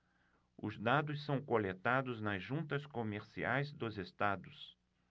os dados são coletados nas juntas comerciais dos estados